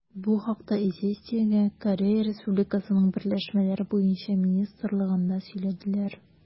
Бу хакта «Известия»гә Корея Республикасының берләшмәләр буенча министрлыгында сөйләделәр.